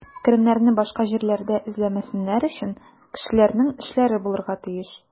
Керемнәрне башка җирләрдә эзләмәсеннәр өчен, кешеләрнең эшләре булырга тиеш.